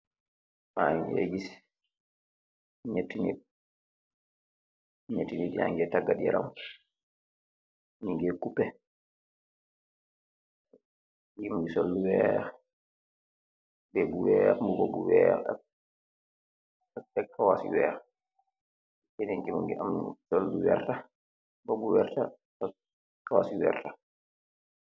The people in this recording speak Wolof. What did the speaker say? may njee gis ñetti nit. Ñetti ya nge taggat yaram. Ñoi ngee cupe. Ñio ngi sol lu weex. Tubey bu weex, mbuba bu weex ak xawaaci weex. keneki mu ngi am sol, lu werta mbuba bu werta ak xawaaci weerta.